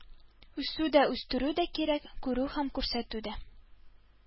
Үсү дә үстерү дә кирәк, күрү һәм күрсәтү дә.